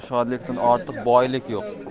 shodlikdan ortiq boylik yo'q